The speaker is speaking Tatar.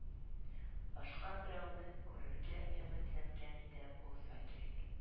Башка берәүне күрергә өметләнгән иде булса кирәк